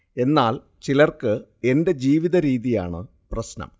എന്നാൽ ചിലർക്ക് എന്റെറ ജീവിത രീതിയാണ് പ്രശ്നം